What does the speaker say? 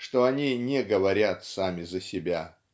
что они не говорят сами за себя.